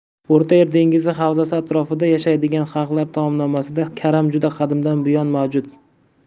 o'rta yer dengizi havzasi atrofida yashaydigan xalqlar taomnomasida karam juda qadimdan buyon mavjud